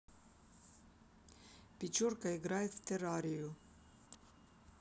печорка играет в террарию